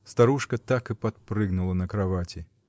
Старушка так и подпрыгнула на кровати.